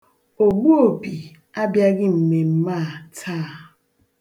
Ogbuopi abịaghị mmemme a taa.